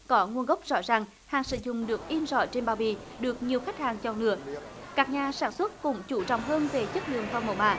có nguồn gốc rõ ràng hàng sử dụng được in rõ trên bao bì được nhiều khách hàng chọn lựa các nhà sản xuất cũng chú trọng hơn về chất lượng và mẫu mã